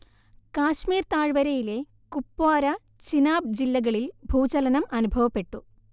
കാശ്മീർ താഴ്വരയിലെ കുപ്വാര, ചിനാബ് ജില്ലകളിൽ ഭൂചലനം അനുഭവപ്പെട്ടു